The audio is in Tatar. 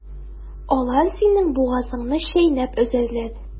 Алар синең бугазыңны чәйнәп өзәрләр.